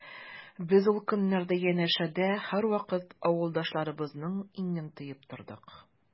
Без ул көннәрдә янәшәдә һәрвакыт авылдашларыбызның иңен тоеп тордык.